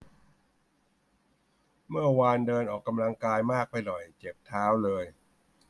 เมื่อวานเดินออกกำลังกายมากไปหน่อยเจ็บเท้าเลย